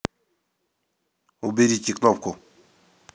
уберите кнопку